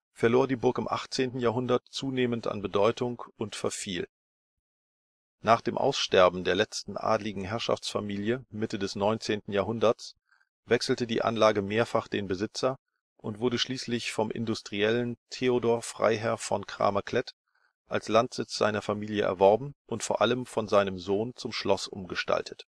verlor die Burg im 18. Jahrhundert zunehmend an Bedeutung und verfiel. Nach dem Aussterben der letzten adligen Herrschaftsfamilie Mitte des 19. Jahrhunderts, wechselte die Anlage mehrfach den Besitzer und wurde schließlich vom Industriellen Theodor Freiherr von Cramer-Klett als Landsitz seiner Familie erworben und vor allem von seinem Sohn zum Schloss umgestaltet